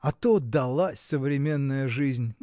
А то далась современная жизнь!.